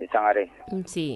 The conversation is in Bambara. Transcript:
I tangare nti